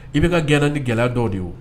I bɛ ka gɛlɛn ni gɛlɛya dɔ de ye wo